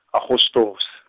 Agostose.